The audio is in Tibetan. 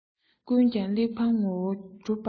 ཀུན ཀྱང གླེགས བམ ངོ བོར གྲུབ པ འདྲ